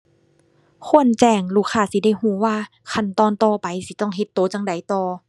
ควรแจ้ง ลูกค้าสิได้รู้ว่าขั้นตอนต่อไปสิต้องเฮ็ดรู้จั่งใดต่อ